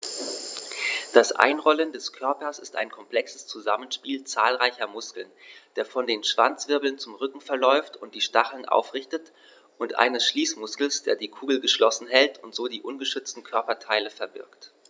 Das Einrollen des Körpers ist ein komplexes Zusammenspiel zahlreicher Muskeln, der von den Schwanzwirbeln zum Rücken verläuft und die Stacheln aufrichtet, und eines Schließmuskels, der die Kugel geschlossen hält und so die ungeschützten Körperteile verbirgt.